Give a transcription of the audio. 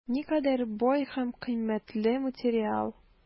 Никадәр бай һәм кыйммәтле материал!